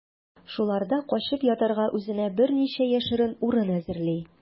Шуларда качып ятарга үзенә берничә яшерен урын әзерли.